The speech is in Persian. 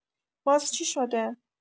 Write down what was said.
باز چی شده؟